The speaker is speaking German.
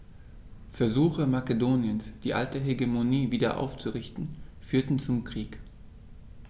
Versuche Makedoniens, die alte Hegemonie wieder aufzurichten, führten zum Krieg.